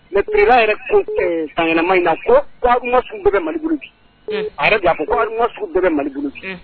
Mɛ tile yɛrɛ ko a yɛlɛma in na ko bɛ mali a ko bɛ mali